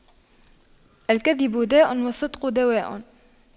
الكذب داء والصدق دواء